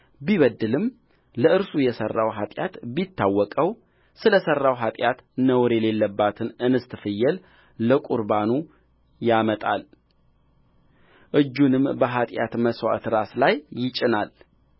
ቢበድልምለእርሱም የሠራው ኃጢአት ቢታወቀው ስለ ሠራው ኃጢአት ነውር የሌለባትን እንስት ፍየል ለቍርባኑ ያመጣልእጁንም በኃጢአት መሥዋዕት ራስ ላይ ይጭናል